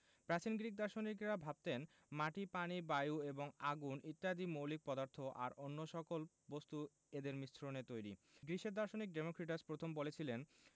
প্রাচীন গ্রিক দার্শনিকেরা ভাবতেন মাটি পানি বায়ু এবং আগুন ইত্যাদি মৌলিক পদার্থ আর অন্য সকল বস্তু এদের মিশ্রণে তৈরি গ্রিসের দার্শনিক ডেমোক্রিটাস প্রথম বলেছিলেন